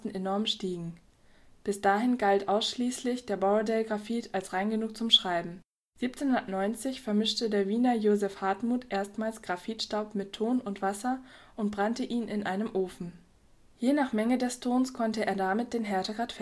enorm stiegen. Bis dahin galt ausschließlich der Borrowdale-Graphit als rein genug zum Schreiben. 1790 vermischte der Wiener Joseph Hardtmuth erstmals Graphitstaub mit Ton und Wasser und brannte ihn in einem Ofen. Je nach Menge des Tons konnte er damit den Härtegrad